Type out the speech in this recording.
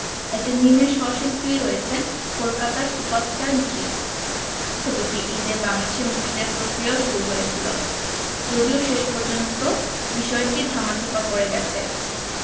এতে মিমের সশিল্পী রয়েছেন কলকাতার সুপারস্টার জিৎ ছবিটি ঈদে বাংলাদেশে মুক্তি দেয়ার প্রক্রিয়াও শুরু হয়েছিল যদিও শেষ পর্যন্ত বিষয়টি ধামাচাপা পড়ে গেছে